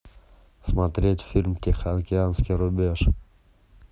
смотреть фильм тихоокеанский рубеж